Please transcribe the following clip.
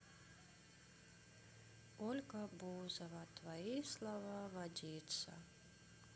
ольга бузова твои слова водица